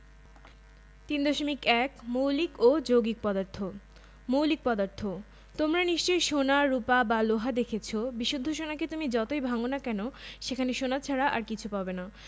৩.১ মৌলিক ও যৌগিক পদার্থঃ মৌলিক পদার্থ তোমরা নিশ্চয় সোনা রুপা বা লোহা দেখেছ বিশুদ্ধ সোনাকে তুমি যতই ভাঙ না কেন সেখানে সোনা ছাড়া আর কিছু পাবে না